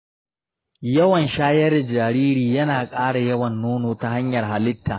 yawan shayar da jariri yana ƙara yawan nono ta hanyar halitta.